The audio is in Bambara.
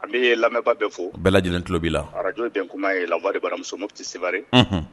An bee lamɛbaa bɛ fo u bɛɛ lajɛlen tulo b'i la Radio Denkuma et la voix de baramuso Mopti-Sevare unhun